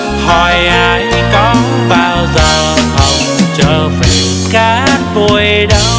hỏi ai có bao giờ không trở về cát bụi đâu